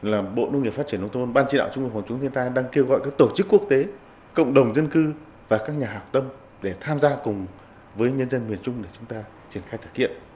làm bộ nông nghiệp phát triển nông thôn ban chỉ đạo trung ương phòng chống thiên tai đang kêu gọi các tổ chức quốc tế cộng đồng dân cư và các nhà hảo tâm để tham gia cùng với nhân dân miền trung để chúng ta triển khai thực hiện